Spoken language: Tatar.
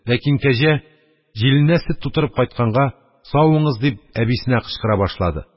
Ләкин кәҗә, җилененә сөт тутырып кайтканга: «Савыңыз!» – дип, әбисенә кычкыра башлады.